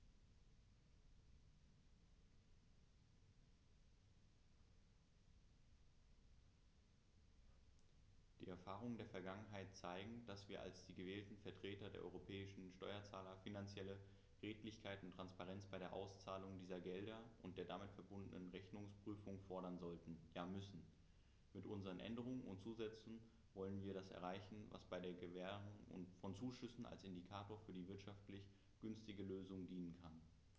Die Erfahrungen der Vergangenheit zeigen, dass wir als die gewählten Vertreter der europäischen Steuerzahler finanzielle Redlichkeit und Transparenz bei der Auszahlung dieser Gelder und der damit verbundenen Rechnungsprüfung fordern sollten, ja müssen. Mit unseren Änderungen und Zusätzen wollen wir das erreichen, was bei der Gewährung von Zuschüssen als Indikator für die wirtschaftlich günstigste Lösung dienen kann.